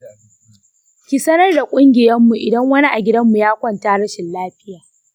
ki sanar da kungiyan mu idan wani a gidanmu ya kwanta rashin lafiya.